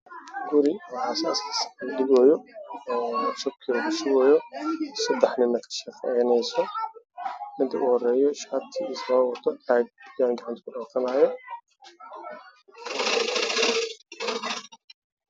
Waa guri dhismo ka socda waxaa jooga nimqn